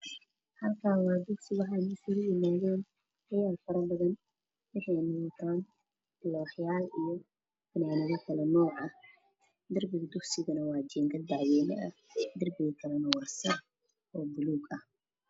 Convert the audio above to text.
Meeshaan waa dugsi waxaa joogo arday waxayna wataan looxyo kala nooc ah iyo funaanado kala nooc ah